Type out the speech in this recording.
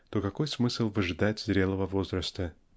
то какой смысл выжидать зрелого возраста?